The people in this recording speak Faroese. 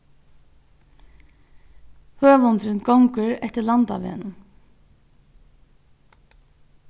høvundurin gongur eftir landavegnum